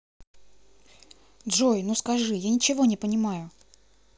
джой ну скажи я ничего не понимаю